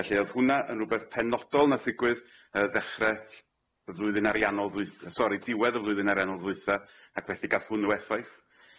Felly odd hwnna yn rwbeth penodol nath ddigwydd yy ddechre ll- y flwyddyn ariannol ddwyth- yy sori ddiwedd y flwyddyn ariannol ddwytha ac felly gath hwnnw effaith.